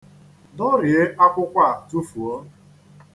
Dọrie akwụkwọ a tufuo.